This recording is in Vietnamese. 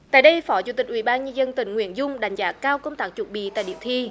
tại đây phó chủ tịch ủy ban nhân dân tình nguyễn dung đánh giá cao công tác chuẩn bị tại điểm thi